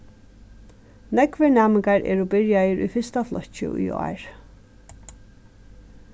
nógvir næmingar eru byrjaðir í fyrsta flokki í ár